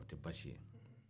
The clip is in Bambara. mais o tɛ baasi ye